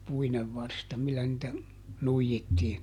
puinen varsta millä niitä nuijittiin